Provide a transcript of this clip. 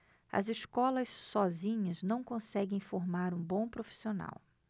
as escolas sozinhas não conseguem formar um bom profissional